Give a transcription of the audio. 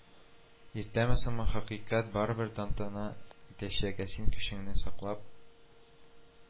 Иртәмесоңмы, хакыйкать барыбер тантана итәчәк, ә син көчеңне саклап